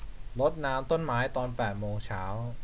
รดน้ำต้นไม้ตอนแปดโมงเช้า